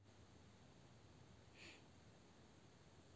мне похуй на тебя